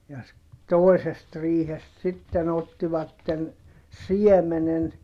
ja - toisesta riihestä sitten ottivat siemenen